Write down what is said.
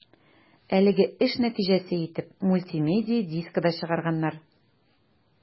Әлеге эш нәтиҗәсе итеп мультимедия дискы да чыгарганнар.